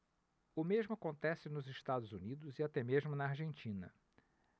o mesmo acontece nos estados unidos e até mesmo na argentina